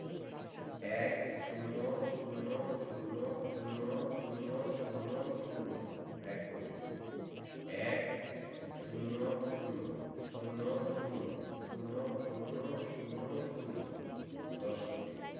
১০০০০০০০ এক কোটি ১০০০০০০০০ দশ কোটি